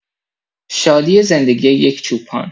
شادی زندگی یک چوپان